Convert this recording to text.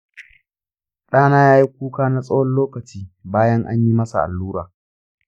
ɗana ya yi kuka na tsawon lokaci bayan an yi masa allura.